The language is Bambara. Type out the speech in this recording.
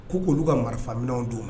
Ko k'olu ka marifaminw don